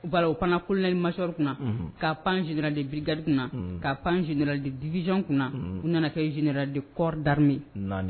Voilà u panna colonel major kunna unhun ka pan général de brigade kunna unhun ka pan général de division kunna unhun u nana kɛ général de corps d'armée 4